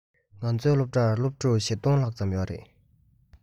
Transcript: ང ཚོའི སློབ གྲྭར སློབ ཕྲུག ༤༠༠༠ ལྷག ཙམ ཡོད རེད